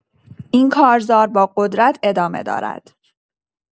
این کارزار با قدرت ادامه دارد.